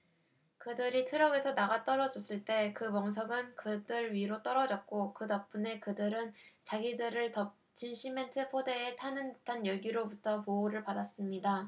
그들이 트럭에서 나가떨어졌을 때 그 멍석은 그들 위로 떨어졌고 그 덕분에 그들은 자기들을 덮친 시멘트 포대의 타는 듯한 열기로부터 보호를 받았습니다